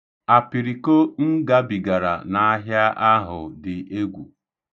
Apiriko m gabigara n'ahịa ahụ dị egwu.